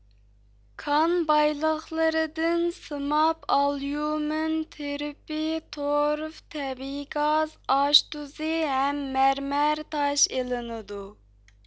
كان بايلىقلىرىدىن سىماب ئاليۇمىن ترىپى تورف تەبىئىي گاز ئاش تۇزى ھەم مەرمەر تاش ئېلىنىدۇ